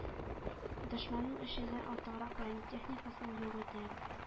Дошманның өч йөздән артыграк бронетехникасын юк итә.